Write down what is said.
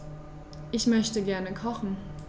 Ich möchte gerne kochen.